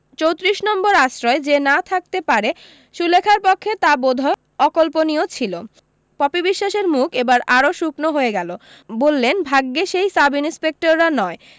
চোত্রিশ নম্বর আশ্রয় যে না থাকতে পারে সুলেখার পক্ষে তা বোধ হয় অকল্পনীয় ছিল পপি বিশ্বাসের মুখ এবার আরও শুকনো হয়ে গেলো বললেন ভাগ্যে সেই সাবইন্সপেক্টরটা নয়